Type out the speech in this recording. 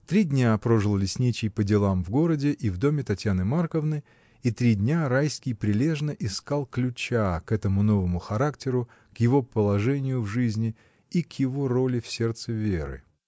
Три дня прожил лесничий по делам в городе и в доме Татьяны Марковны, и три дня Райский прилежно искал ключа к этому новому характеру, к его положению в жизни и к его роли в сердце Веры.